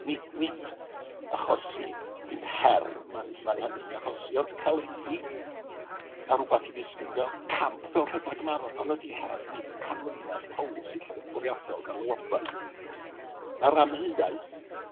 nid nid achosi, dim her mae mae hynny'n 'i achosi, ond celedi, a rywbath i ddisgrifio camp fel rhedag marathon ydi her, nid canlyniad polisi ll- bwriadol gan lywodraeth, 'na'r amheuaeth